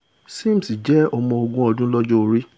Sims jẹ́ ọmọ ogún ọdún lọ́jọ́ orí.